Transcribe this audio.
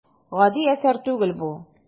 Гади әсәр түгел бу.